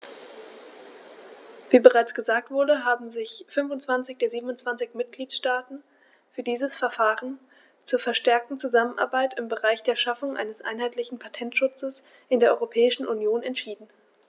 Wie bereits gesagt wurde, haben sich 25 der 27 Mitgliedstaaten für dieses Verfahren zur verstärkten Zusammenarbeit im Bereich der Schaffung eines einheitlichen Patentschutzes in der Europäischen Union entschieden.